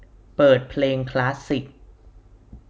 เปิดเพลงคลาสสิค